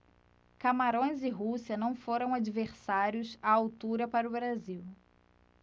camarões e rússia não foram adversários à altura para o brasil